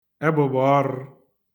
ẹbụ̀bọ̀ọrụ̄